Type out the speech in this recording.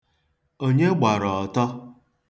Onye gbara ọtọ?